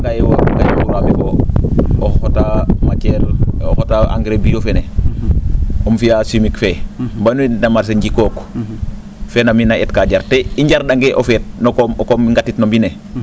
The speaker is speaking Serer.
a refangaaye o xotaa matiere o xota engrais bio fene um fi'aa chimique fee mbanuu i ndet na marcher njikook fee na mi naa eet kaa jar te i njar?angee o feet na koom i ngatit no mbind ne